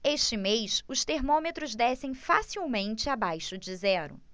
este mês os termômetros descem facilmente abaixo de zero